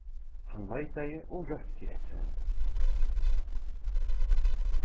hann leitaði og rópti eftir henni